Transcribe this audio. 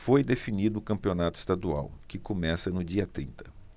foi definido o campeonato estadual que começa no dia trinta